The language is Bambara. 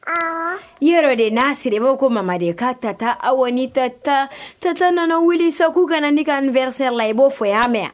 A ne yɛrɛ de n'a sirire b' ko mama de ka ta taa aw wa ni ta taa tatɔ nana wuli sa k'u kana na n' ka n wɛrɛ la i b'o fɔ y'a mɛn